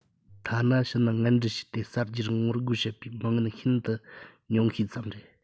ཐ ན ཕྱི ནང ངན འབྲེལ བྱས ཏེ གསར བརྗེར ངོ རྒོལ བྱེད པའི མི ངན ནི ཤིན ཏུ ཉུང ཤས ཙམ རེད